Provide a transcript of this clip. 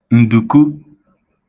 ǹdùku